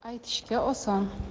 aytishga oson